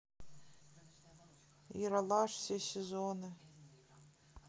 ералаш все сезоны